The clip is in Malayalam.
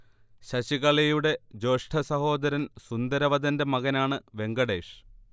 ശശികലയുടെ ജ്യേഷ്ഠ സഹോദരൻ സുന്ദരവദന്റെ മകനാണ് വെങ്കടേഷ്